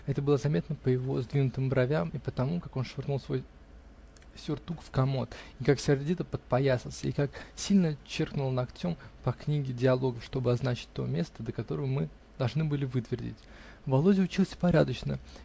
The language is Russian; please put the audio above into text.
Это было заметно по его сдвинутым бровям и по тому, как он швырнул свой сюртук в комод, и как сердито подпоясался, и как сильно черкнул ногтем по книге диалогов, чтобы означить то место, до которого мы должны были вытвердить. Володя учился порядочно